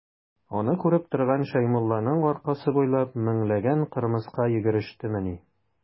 Аны күреп торган Шәймулланың аркасы буйлап меңләгән кырмыска йөгерештемени.